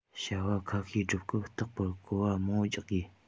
བྱ བ ཁ ཤས སྒྲུབ སྐབས རྟག པར སྐོར བ མང པོ རྒྱག དགོས